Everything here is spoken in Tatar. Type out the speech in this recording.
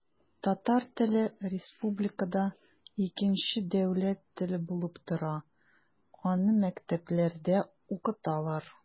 Татар теле республикада икенче дәүләт теле булып тора, аны мәктәпләрдә укыталар.